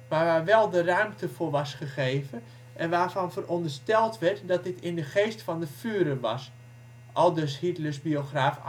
waar wel de ruimte voor was gegeven en waarvan verondersteld werd dat dit in de geest van de Führer was (aldus Hitlers biograaf